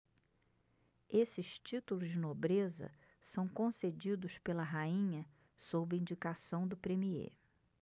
esses títulos de nobreza são concedidos pela rainha sob indicação do premiê